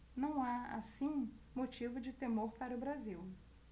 não há assim motivo de temor para o brasil